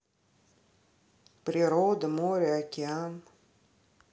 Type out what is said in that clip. природа море океан